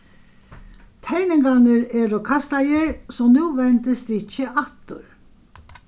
terningarnir eru kastaðir so nú vendist ikki aftur